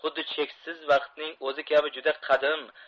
xuddi cheksiz vaqtning o'zi kabi juda qadim